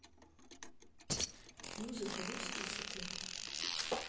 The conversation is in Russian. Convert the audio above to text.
музыка русские хиты